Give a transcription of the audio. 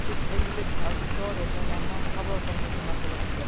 chet ellik auditoriya tomonidan qabul qilinishi masalasidir